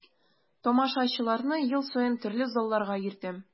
Тамашачыларны ел саен төрле залларга йөртәм.